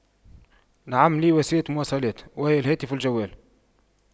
نعم لي وسيلة مواصلات وهي الهاتف الجوال